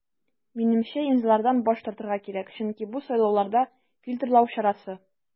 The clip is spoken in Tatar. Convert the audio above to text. Минемчә, имзалардан баш тартырга кирәк, чөнки бу сайлауларда фильтрлау чарасы.